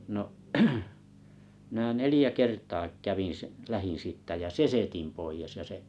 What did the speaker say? no minä neljä kertaa kävin - lähdin siitä ja sesetin pois ja se